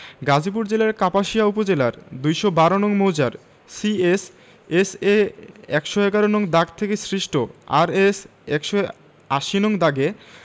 গাজীপুর জেলার কাপাসিয়া উপজেলার ২১২ নং মৌজার সি এস এস এ ১১১ নং দাগ থেকে সৃষ্ট আরএস ১৮০ নং দাগে